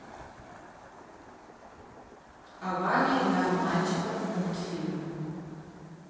аварии для мальчиков мультфильм